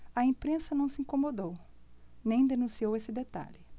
a imprensa não se incomodou nem denunciou esse detalhe